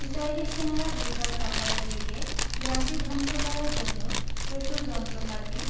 ইসরাইলী সেনারা বুধবার সকালের দিকে গ্রামটি ধ্বংস করার জন্য প্রচুর যন্ত্রপাতি